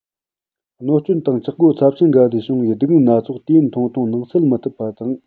གནོད སྐྱོན དང ཆག སྒོ ཚབས ཆེན འགའ ལས བྱུང བའི སྡུག བསྔལ སྣ ཚོགས དུས ཡུན ཐུང ཐུང ནང སེལ མི ཐུབ པ དང